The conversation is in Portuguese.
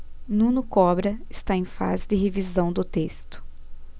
nuno cobra está em fase de revisão do texto